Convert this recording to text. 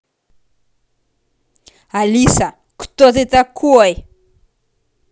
алиса кто ты такой